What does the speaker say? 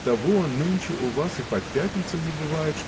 оттого нынче у вас и по пятницам не бывает